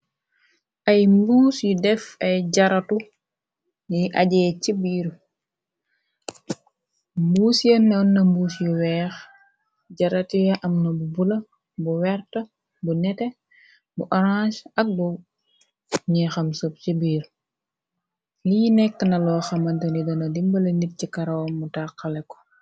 ay mbuus yu def ay jaratu yi ajee ci biiru mbuus seen newn na mbuus yu weex jaratue am na bu bula bu wert bu nete bu arange ak bu ñi xam sob ci biiru lii nekk na loo xamantani dona di mbala nit ci karaam mu taxxale ko